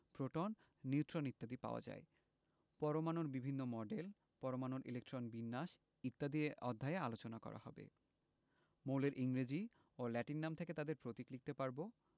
proton neutron ইত্যাদি পাওয়া যায় পরমাণুর বিভিন্ন মডেল পরমাণুর ইলেকট্রন বিন্যাস ইত্যাদি এ অধ্যায়ে আলোচনা করা হবে মৌলের ইংরেজি ও ল্যাটিন নাম থেকে তাদের প্রতীক লিখতে পারব